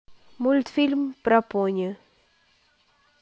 мультфильм про пони